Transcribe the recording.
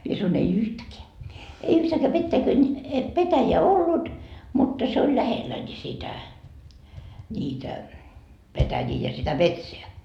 minä sanoin ei yhtäkään ei yhtääkään petäikön petäjää ollut mutta se oli lähellä niin sitä niitä petäjiä ja sitä metsää